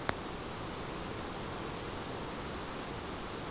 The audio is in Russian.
смотреть лунтика